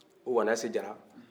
o wanasi jara